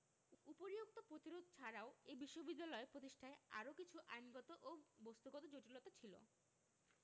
উপরিউক্ত প্রতিরোধ ছাড়াও এ বিশ্ববিদ্যালয় প্রতিষ্ঠায় আরও কিছু আইনগত ও বস্ত্তগত জটিলতা ছিল